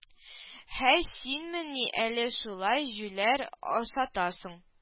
Һәй синмени әле шулай җүләр асатасың